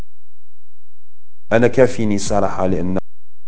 انا كافيني ساره حالي